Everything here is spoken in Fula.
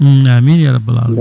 amaine ya rabbal alamina